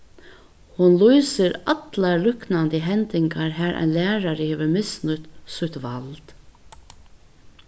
hon lýsir allar líknandi hendingar har ein lærari hevur misnýtt sítt vald